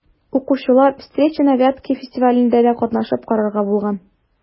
Укучылар «Встречи на Вятке» фестивалендә дә катнашып карарга булган.